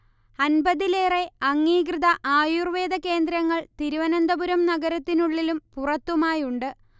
അൻപതിലേറെ അംഗീകൃത ആയൂർവേദ കേന്ദ്രങ്ങൾ തിരുവനന്തപുരം നഗരത്തിനുള്ളിലും പുറത്തുമായുണ്ട്